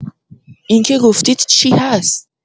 اینکه گفتید چی هست؟